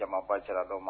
Jamaba cɛla dɔw ma